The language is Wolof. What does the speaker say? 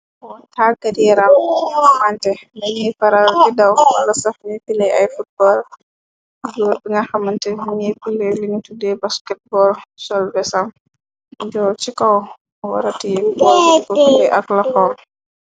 O taggat yaram xamante, nañiy faral bi daw la sax ñi pile ay fotbal, gór bi nga xamante mini pile winu tuddee basketbor, solbesam, joor ci kaw, warat yi bo bu tule ak laxoom.